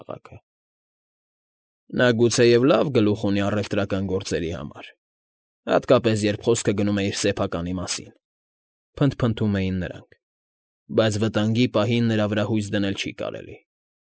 Քաղաքը։ ֊ Նա, գուցեև, լավ գլուխ ունի առևտրական գործերի համար, հատկապես, երբ խոսքը գնում է իր սեփականի մասին,֊ փնթփնթում էին նրանք,֊ բայց վտանգի պահին նրա վրա հույս դնել չի կարելի։